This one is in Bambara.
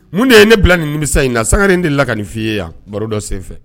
Mun de ye ne bila ninmisa in na Sangare in delila ka nin f'i ye yan baro dɔ sen fɛ.